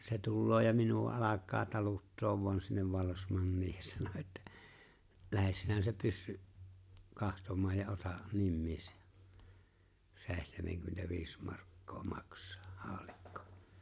se tulee ja minua alkaa taluttaa vain sinne vallesmanniin ja sanoi että lähde sinä se pyssy katsomaan ja ota nimiisi seitsemänkymmentäviisi markkaa maksaa haulikko